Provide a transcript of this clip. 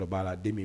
O b'a la den